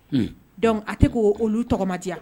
Dɔnku a tɛ k' olu tɔgɔma diya